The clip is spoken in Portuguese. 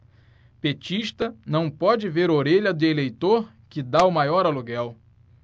petista não pode ver orelha de eleitor que tá o maior aluguel